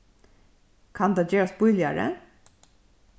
kann tað gerast bíligari